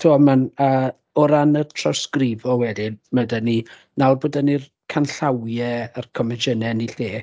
Tibod mae'n a... o ran y trawsgrifo wedyn ma' 'da ni... nawr bod 'da ni'r canllawiau a'r confensiynau yn eu lle